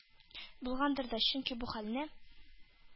Булгандыр да, чөнки бу хәлне